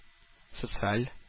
Социаль